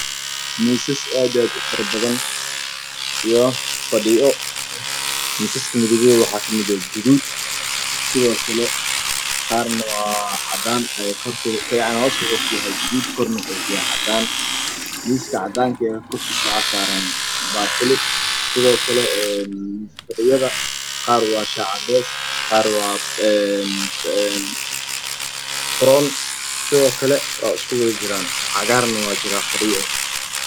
Miisas aad u fara badan io fadhiyo miisaska midabadooda waxaa ka mid ah gaduud sidoo kale qaarne waa cadaan hoosna wuxuu ka yahay gaduud kor wuxuu ka yahay cadaan miisaka cadaanka ah korkiisa waxaa saaran baaquli sidoo kale fadhiyada qaar waa shaah cadeys qaar waa baroon sidoo kale waa isku wada jiraan cagaarna waa jiraa fadhiyada